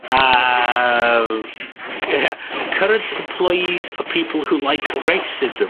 A ie current employees of people who like racism.